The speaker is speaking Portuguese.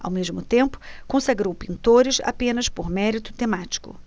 ao mesmo tempo consagrou pintores apenas por mérito temático